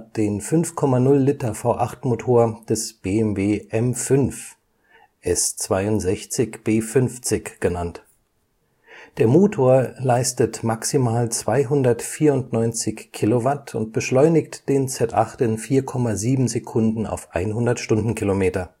den 5,0-Liter-V8-Motor des BMW M5 (E39S), S62B50 genannt. Der Motor leistet maximal 294 kW und beschleunigt den Z8 in 4,7 Sekunden auf 100 km/h